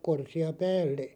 korsia päälle